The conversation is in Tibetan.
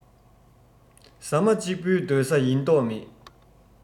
ཟ མ གཅིག པོའི སྡོད ས ཡིན མདོག མེད